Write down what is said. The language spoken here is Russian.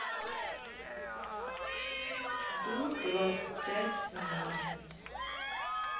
дудь двадцать пять семнадцать